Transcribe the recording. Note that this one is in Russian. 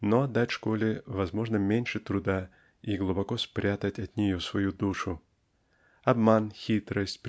но отдать школе возможно меньше труда и глубоко спрятать от нее свою душу. Обман хитрость